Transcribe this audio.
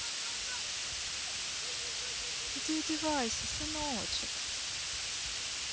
иди одевайся сыночек